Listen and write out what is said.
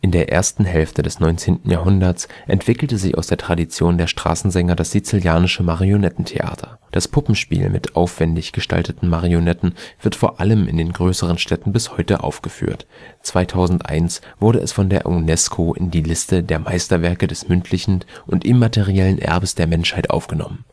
der ersten Hälfte des 19. Jahrhunderts entwickelte sich aus der Tradition der Straßensänger das Sizilianische Marionettentheater. Das Puppenspiel mit aufwendig gestalteten Marionetten wird vor allem in den größeren Städten bis heute aufgeführt. 2001 wurde es von der UNESCO in die Liste der Meisterwerke des mündlichen und immateriellen Erbes der Menschheit aufgenommen